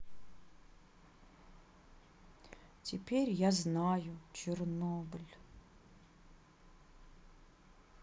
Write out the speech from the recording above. теперь я знаю чернобыль